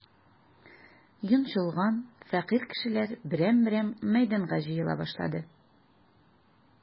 Йончылган, фәкыйрь кешеләр берәм-берәм мәйданга җыела башлады.